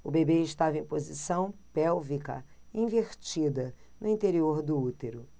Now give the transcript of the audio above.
o bebê estava em posição pélvica invertida no interior do útero